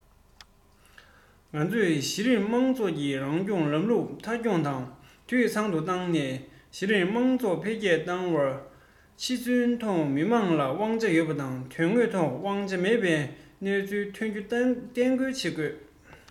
ང ཚོས གཞི རིམ མང ཚོགས ཀྱི རང སྐྱོང ལམ ལུགས མཐའ འཁྱོངས དང འཐུས ཚང དུ བཏང ནས གཞི རིམ དམངས གཙོ འཕེལ རྒྱས བཏང སྟེ ཕྱི ཚུལ ཐོག མི དམངས ལ དབང ཆ ཡོད པ དང དོན དངོས ཐོག དབང ཆ མེད པའི སྣང ཚུལ ཐོན རྒྱུ གཏན འགོག བྱེད དགོས